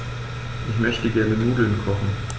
Ich möchte gerne Nudeln kochen.